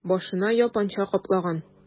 Башына япанча каплаган...